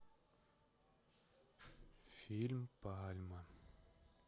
фильм пальма